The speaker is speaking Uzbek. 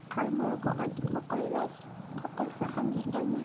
qalmoqi ot qoqilmas qoqilsa ham yiqilmas